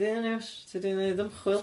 ...'di hyn yn iws, ti 'di neud ymchwil?